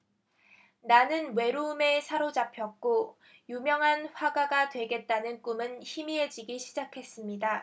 나는 외로움에 사로잡혔고 유명한 화가가 되겠다는 꿈은 희미해지기 시작했습니다